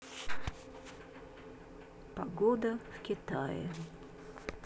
погода в китае